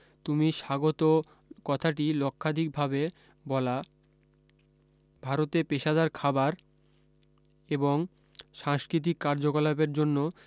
তুমি স্বাগত কথাটি লক্ষাধিক ভাবে বলা ভারতে পেশাদার খাবার এবং সাংস্কৃতিক কার্যকলাপের জন্য